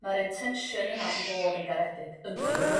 ma'r intention yna i fod yn garedig yndi.